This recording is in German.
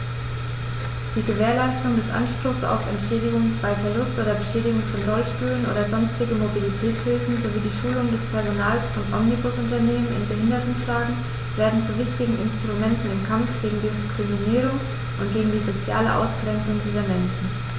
Die Gewährleistung des Anspruchs auf Entschädigung bei Verlust oder Beschädigung von Rollstühlen oder sonstigen Mobilitätshilfen sowie die Schulung des Personals von Omnibusunternehmen in Behindertenfragen werden zu wichtigen Instrumenten im Kampf gegen Diskriminierung und gegen die soziale Ausgrenzung dieser Menschen.